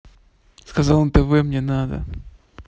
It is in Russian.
сказал нтв мне надо